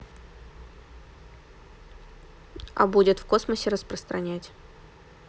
а будет в космосе распространять